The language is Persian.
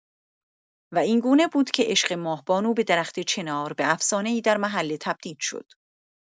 و این گونه بود که عشق ماه‌بانو به درخت چنار، به افسانه‌ای در محله تبدیل شد.